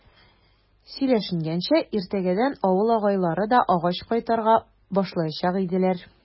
Сөйләшенгәнчә, иртәгәдән авыл агайлары да агач кайтарта башлаячак иделәр.